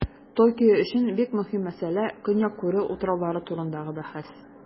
Токио өчен бик мөһим мәсьәлә - Көньяк Курил утраулары турындагы бәхәс.